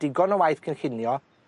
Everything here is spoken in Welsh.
digon o waith cynllunio,